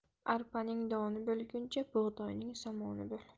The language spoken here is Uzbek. arpaning doni bo'lguncha bug'doyning somoni bo'l